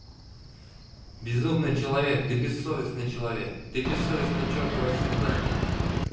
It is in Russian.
безумный человек ты бессовестный человек ты бессовестное чертово создание